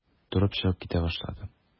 Торып чыгып китә башлады.